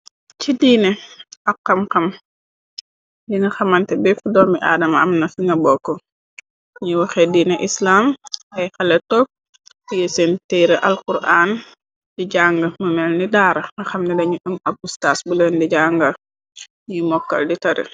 Ci diine ak xam-xam, dina bi xamante beepu doomi adama am na fi nga bokk, ñiy wax diine islam, ay xalé toog, tiye seen teere alkuraan di jang mu melni daara nga xam ne dañu ëm ab ustaas buleen di jaangal ñuy mokkal di tari.